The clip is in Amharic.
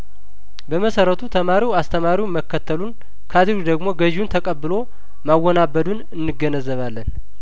በመሰረቱ ተማሪው አስተማሪውን መከተሉን ካድሬ ደግሞ ገዥውን ተቀብሎ ማ ወናበዱን እንገነዘባለን